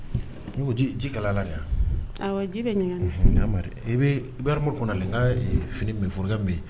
N ko ji kala la yan ji bɛ ɲininka n ka finioro min yen